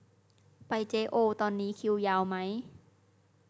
ไปเจ๊โอวตอนนี้คิวยาวมั้ย